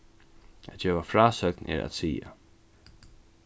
at geva frásøgn er at siga